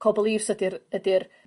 core beliefs ydi'r ydi'r